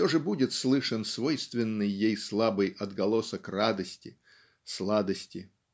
все же будет слышен свойственный ей слабый отголосок радости сладости.